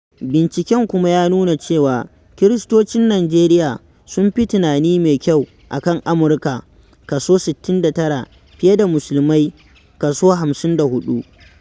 Binciken kuma ya nuna cewa, Kiristocin Nijeriya sun fi tunani mai kyau a kan Amurka (kaso 69) fiye da Musulmai (kaso 54).